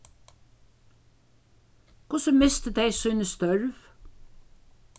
hvussu mistu tey síni størv